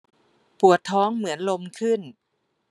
ปวดท้องเหมือนลมขึ้น